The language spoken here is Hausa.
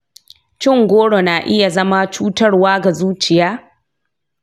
cin goro na iya zama cutarwa ga zuciya?